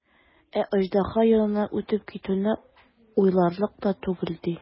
Ә аждаһа яныннан үтеп китүне уйларлык та түгел, ди.